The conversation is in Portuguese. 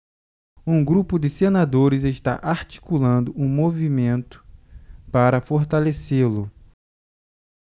um grupo de senadores está articulando um movimento para fortalecê-lo